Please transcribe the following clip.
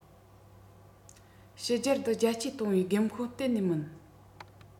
ཕྱི རྒྱལ དུ རྒྱ སྐྱེད གཏོང བའི དགོས མཁོ གཏན ནས མིན